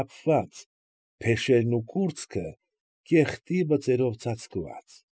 Թափված, փեշերն ու կուրծքը կեղտի բծերով ծածկված։